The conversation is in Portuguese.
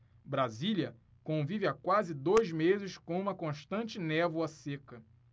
brasília convive há quase dois meses com uma constante névoa seca